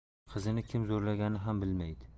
qizini kim zo'rlaganini ham bilmaydi